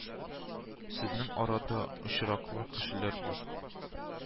Сезнең арада очраклы кешеләр юк